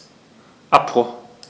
Abbruch.